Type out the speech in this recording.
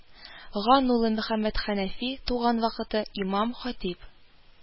Ган улы мөхәммәтхәнәфи туган вакыты имам-хатиб